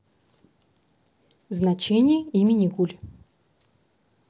значение имени гуль